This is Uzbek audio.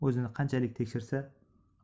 o'zini qanchalik tekshirsa